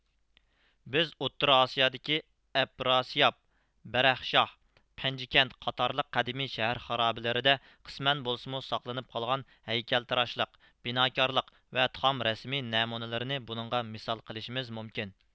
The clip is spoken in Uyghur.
بىز ئوتتۇرا ئاسىيادىكى ئەپراسىياپ بەرەھشاھ پەنجىكەنت قاتارلىق قەدىمكى شەھەر خارابىلىرىدە قىسمەن بولسىمۇ ساقلىنىپ قالغان ھەيكەلتىراشلىق بىناكارلىق ۋە تام رەسىمى نەمۇنىلىرىنى بۇنىڭغا مىسال قىلىشىمىز مۇمكىن